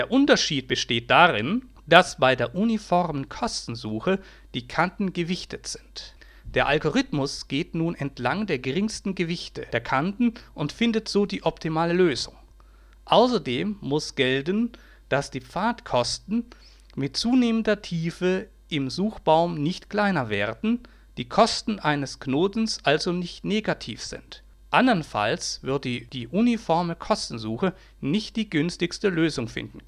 Unterschied besteht darin, dass bei der Uniformen Kostensuche die Kanten gewichtet sind. Der Algorithmus geht nun entlang der geringsten Gewichte (Kosten) der Kanten und findet so die optimale Lösung. Außerdem muss gelten, dass die Pfadkosten mit zunehmender Tiefe im Suchbaum nicht kleiner werden, die Kosten eines Knotens also nicht negativ sind. Andernfalls würde die Uniforme Kostensuche nicht die günstigste Lösung finden